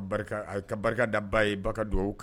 Ka barika da ba ye ba don